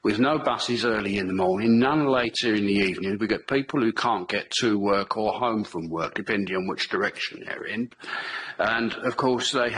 With no buses early in the morning, none later in the evening, we get people who can't get to work or home from work depending on which direction they're in, and of course they